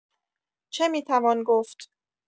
چه می‌توان گفت؟